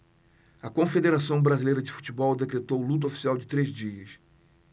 a confederação brasileira de futebol decretou luto oficial de três dias